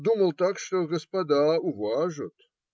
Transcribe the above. Думал так, что господа уважат.